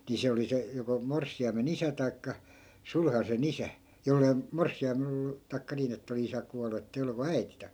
niin se oli se joko morsiamen isä tai sulhasen isä jos ei morsiamella ollut tai niin että oli isä kuollut että ei ollut vain äiti -